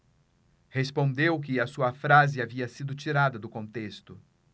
respondeu que a sua frase havia sido tirada do contexto